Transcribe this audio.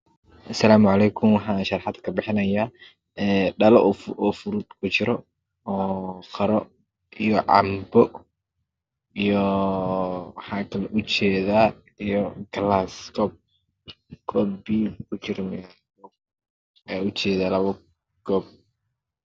Asalumu celeykum waxaan sharaxaad ka paxinayaa dhalo oo furut ku jira oo qare iyo canpo iyo waxaa kaloo ujedaa galaas oo koob biyo kijiro ayaa ujeedaa lapo koob